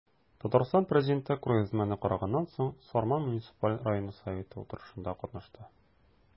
Татарстан Президенты күргәзмәне караганнан соң, Сарман муниципаль районы советы утырышында катнашты.